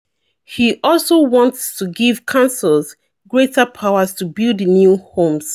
He also wants to give councils greater powers to build new homes.